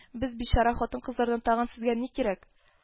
Без бичара хатын-кызлардан тагын сезгә ни кирәк